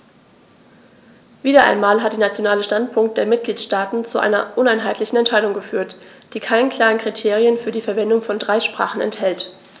Wieder einmal hat der nationale Standpunkt der Mitgliedsstaaten zu einer uneinheitlichen Entscheidung geführt, die keine klaren Kriterien für die Verwendung von drei Sprachen enthält.